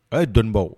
A' ye dɔnibaw